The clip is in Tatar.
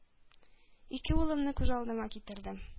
Ике улымны күз алдыма китердем,